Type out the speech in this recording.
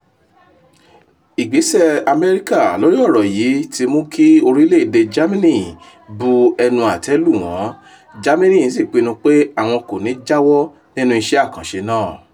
Ìgbésẹ̀ US lórí ọ̀rọ̀ yìí ti mú kí orílẹ̀èdè Germany bu ẹnu àtẹ́ lu wọ́n ,Germany sì pinnu pé àwọn kò ní jáwọ́ nínú iṣẹ́ àkànṣè náà.